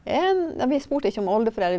nei vi spurte ikke om oldeforelder.